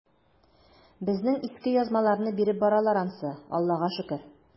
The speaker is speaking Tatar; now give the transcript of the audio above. Безнең иске язмаларны биреп баралар ансы, Аллага шөкер.